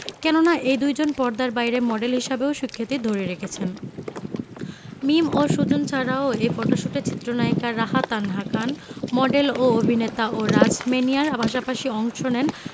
কেননা এই দুইজন পর্দার বাইরে মডেল হিসেবেও সুখ্যাতি ধরে রেখেছেন মিম ও সুজন ছাড়াও ছাড়াও এ ফটোশ্যুটে চিত্রনায়িকা রাহা তানহা খান মডেল ও অভিনেতা ও রাজ ম্যানিয়ার পাশাপাশি অংশ নেন